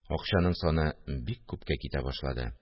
Акчаның саны бик күпкә китә башлады